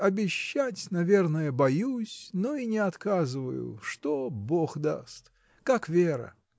Обещать наверное боюсь, но и не отказываю: что Бог даст! Как Вера!.